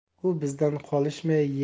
u bizdan qolishmay